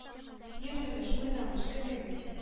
Йөгрегез, уйнагыз, көлегез!